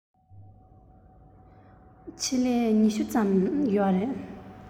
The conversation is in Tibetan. ཆེད ལས ༢༠ ལྷག ཙམ ཡོད རེད